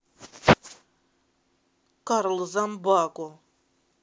карл зомбаку